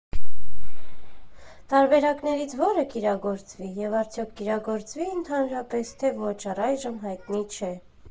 Տարբերակներից որը կիրագործվի, և արդյոք կիրագործվի ընդհանրապես, թե ոչ, առայժմ հայտնի չէ։